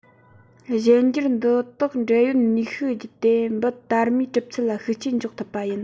གཞན འགྱུར འདི དག འབྲེལ ཡོད ནུས ཤུགས བརྒྱུད དེ འབུ དར མའི གྲུབ ཚུལ ལ ཤུགས རྐྱེན འཇོག ཐུབ པ ཡིན